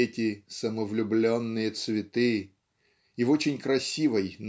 эти "самовлюбленные цветы" и в очень красивой